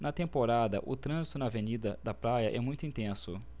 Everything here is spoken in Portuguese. na temporada o trânsito na avenida da praia é muito intenso